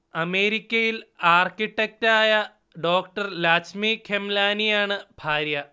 അമേരിക്കയിൽ ആർകിടെക്ടായ ഡോ. ലാച്മി ഖെംലാനിയാണ് ഭാര്യ